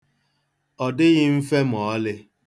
Ọ dịghị mfe ma ọlị.